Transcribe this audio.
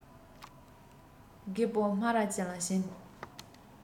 རྒད པོ སྨ ར ཅན ལ བྱིན